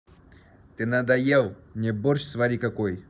ты надоел мне борщ свари какой